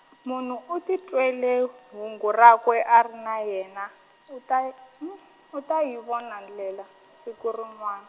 munhu u titwele hungu rakwe a ri na yena, u ta y- u ta yi vona ndlela, siku rin'wan-.